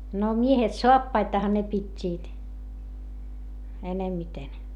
no miehet saappaitahan ne pitivät enemmiten